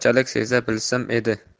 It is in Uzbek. seza bilsam edi